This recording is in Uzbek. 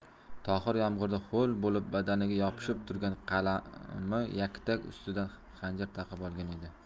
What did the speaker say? tohir yomg'irda ho'l bo'lib badaniga yopishib turgan qalami yaktak ustidan xanjar taqib olgan edi